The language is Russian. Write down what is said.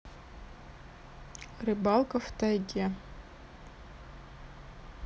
рыбалка в тайге